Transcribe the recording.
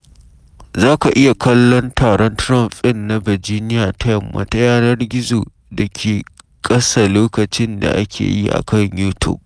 Za ka iya kallon taron Trump ɗin na Virginia ta Yamma ta yanar gizo da ke ƙasa lokacin da ake yi a kan YouTube.